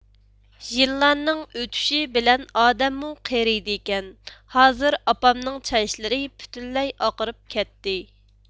يىللارنىڭ ئۆتۈشى بىلەن ئادەممۇ قېرىيدىكەن ھازىر ئاپامنىڭ چاچلىرى پۈتۈنلەي ئاقىرىپ كەتتى